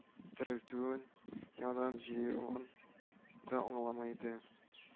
Терелтүен, яңадан җыюын да аңламый иде